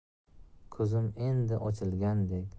ko'zim endi ochilgandek